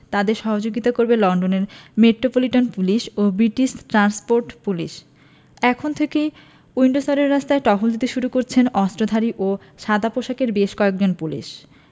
তাঁদের সহযোগিতা করবে লন্ডনের মেট্রোপলিটন পুলিশ ও ব্রিটিশ ট্রান্সপোর্ট পুলিশ এখন থেকেই উইন্ডসরের রাস্তায় টহল দিতে শুরু করেছে অস্ত্রধারী ও সাদাপোশাকের বেশ কয়েকজন পুলিশ